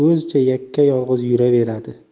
o'zicha yakka yolg'iz yuraveradi